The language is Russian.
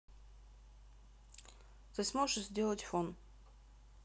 ты сможешь сделать фон